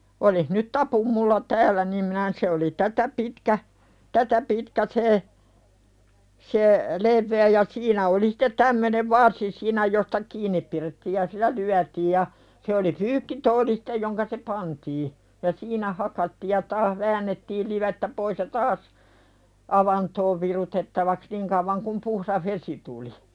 olisi nyt tapuin minulla täällä niin minä - se oli tätä pitkä tätä pitkä se se leveä ja siinä oli sitten tämmöinen varsi siinä josta kiinni pidettiin ja sillä lyötiin ja se oli pyykkituoli sitten jonka se pantiin ja siinä hakattiin ja taas väännettiin livettä pois ja taas avantoon virutettavaksi niin kauan kuin puhdas vesi tuli